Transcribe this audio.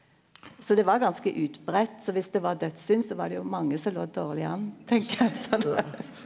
så det var ganske utbreitt så viss det var dødssynd så var det jo mange som lå dårleg an tenker eg så .